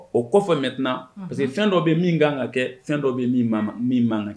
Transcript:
O kɔfɛ maintenant unhun parce que fɛn dɔ be ye min kaan ŋa kɛ fɛn dɔ be ye min mama min man ŋa